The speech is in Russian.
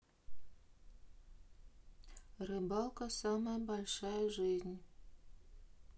рыбалка самая большая жизнь